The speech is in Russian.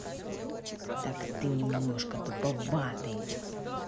так ты немножко туповатый